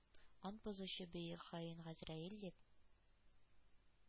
«ант бозучы бөек хаин газраил!» дип